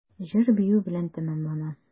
Җыр-бию белән тәмамлана.